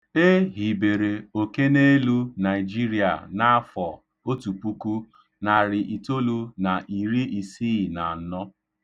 E hibere Okeneelu Naịjiria n'afọ 1964.